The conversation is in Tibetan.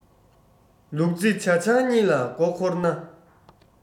ལུག རྫི ཇ ཆང གཉིས ལ མགོ འཁོར ན